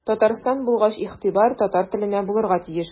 Татарстан булгач игътибар татар теленә булырга тиеш.